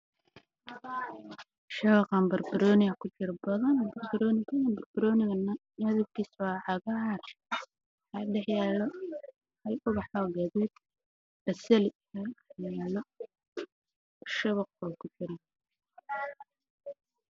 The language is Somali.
Waa shabaq barbanooni badan ku jiro